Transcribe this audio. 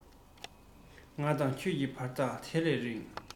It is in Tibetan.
ང དང ཁྱོད ཀྱི བར ཐག དེ ལས རིང